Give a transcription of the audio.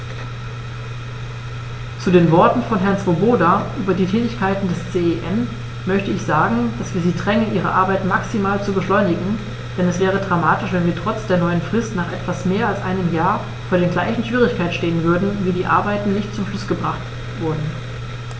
Zu den Worten von Herrn Swoboda über die Tätigkeit des CEN möchte ich sagen, dass wir sie drängen, ihre Arbeit maximal zu beschleunigen, denn es wäre dramatisch, wenn wir trotz der neuen Frist nach etwas mehr als einem Jahr vor den gleichen Schwierigkeiten stehen würden, weil die Arbeiten nicht zum Abschluss gebracht wurden.